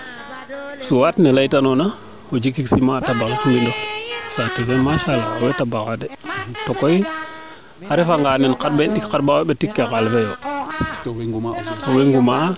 soit ne leyta noona o jikik ciment tabaxik mbinof saate fe machala owey tabaxa yo de to koy a refa nga nen xarɓeen ɓetik xarɓaxay fo ɓetik ke xaal fee yo owey ngumaa